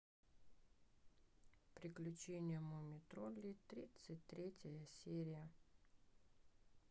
приключения мумитроллей тридцать третья серия